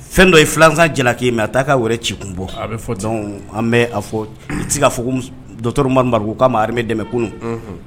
Fɛn dɔ ye filansa jala k'i ma a t taaa ka ci kun bɔ a bɛ an bɛ a fɔ i tɛ se ka fɔ dɔtoromari k'a ma hamɛ dɛmɛ kunun